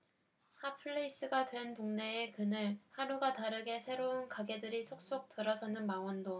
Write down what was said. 핫 플레이스가 된 동네의 그늘 하루가 다르게 새로운 가게들이 속속 들어서는 망원동